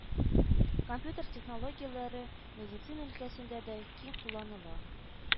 Компьютер технологияләре медицина өлкәсендә дә киң кулланыла